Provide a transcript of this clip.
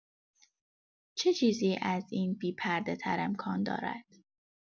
چه چیزی از این بی‌پرده‌تر امکان دارد؟